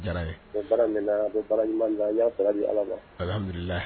Ala